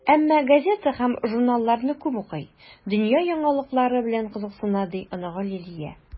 Әмма газета һәм журналларны күп укый, дөнья яңалыклары белән кызыксына, - ди оныгы Лилия.